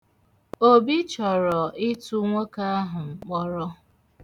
Obi chọrọ ịtụ nwoke ahụ mkpọrọ.